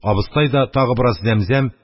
Абыстай да, тагы бераз зәмзәм,